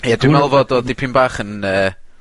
Ie dwi meddwl fod o dipyn bach yn yy